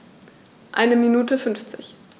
Eine Minute 50